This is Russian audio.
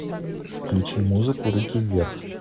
включи музыку руки вверх